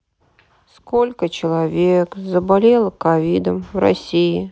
сколько человек заболело ковидом в россии